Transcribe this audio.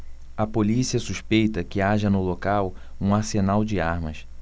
a polícia suspeita que haja no local um arsenal de armas